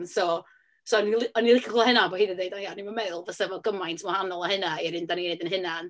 So so o'n i'n li- o'n i'n licio clywed hynna, bo' hi 'di deud, "o, ia, o'n i'm yn meddwl fysa fo gymaint yn wahanol â hynna i'r un dan ni'n wneud ein hunain".